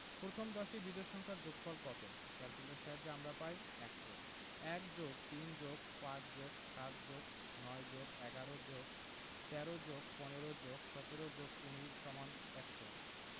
প্রথম দশটি বিজোড় সংখ্যার যোগফল কত ক্যালকুলেটরের সাহায্যে আমরা পাই ১০০ ১+৩+৫+৭+৯+১১+১৩+১৫+১৭+১৯=১০০